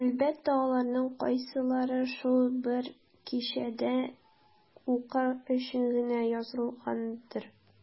Әлбәттә, аларның кайсылары шул бер кичәдә укыр өчен генә язылгандыр.